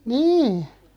niin